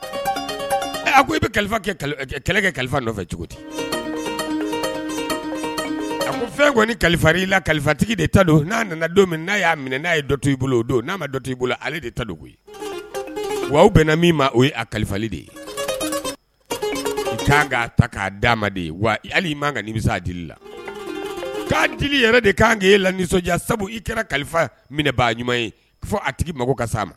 A ko i bɛ kalifa kɛlɛkɛ kalifa nɔfɛ cogo di ka fɛn kɔniɔni kalifa i la kalifatigi de don n'a nana don min n'a y'a minɛ n'a ye to i bolo o don n'a ma t ii bolo ale de ta dogo wa aw bɛnana min ma o a kalifali de ye k' ka ta k'a d ma de ye wa hali ma kanmi di la k' di yɛrɛ de k' kan k' e la nisɔndiya sabu i kɛra kalifa minɛbaa ɲuman ye fɔ a tigi mako ka s a ma